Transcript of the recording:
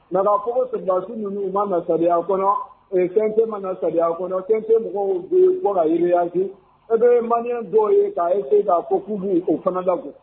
Nka ko fisasiw ninnu u masaya kɔnɔ fɛn tɛ ma masaya kɔnɔ fɛn tɛ mɔgɔw bɛ yen bɔ ka yiri e bɛ ye man dɔw ye k' e se' ko k'u o fana da